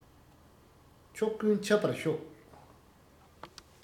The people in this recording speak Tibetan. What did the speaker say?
ཕྱོགས ཀུན ཁྱབ པར ཤོག